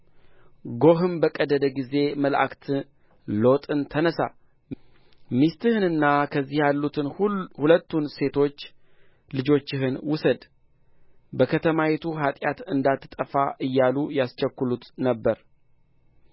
ጎህም በቀደደ ጊዜ መላእክት ሎጥን ተነሣ ሚስትህንና ከዚህ ያሉትን ሁለቱን ሴቶች ልጆችህን ውሰድ በከተማይቱ ኃጢአት እንዳትጠፋ እያሉ ያስቸኵሉት ነበር